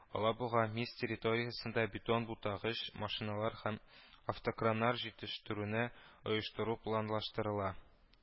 “алабуга” миз территориясендә бетон бутагыч машиналар һәм автокраннар җитештерүне оештыру планлаштырыла